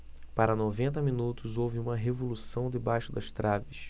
para noventa minutos houve uma revolução debaixo das traves